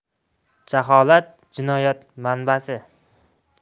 jaholat jinoyat manbasi